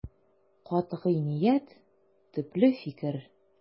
Катгый ният, төпле фикер.